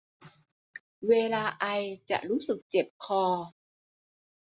เวลาไอจะรู้สึกเจ็บคอ